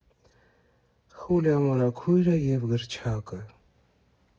Խուլիա մորաքույրը և գրչակը։